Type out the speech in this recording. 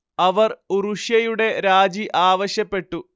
അവർ ഉറുഷ്യയുടെ രാജി ആവശ്യപ്പെട്ടു